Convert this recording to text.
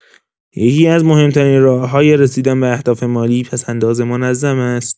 یکی‌از مهم‌ترین راه‌های رسیدن به اهداف مالی، پس‌انداز منظم است.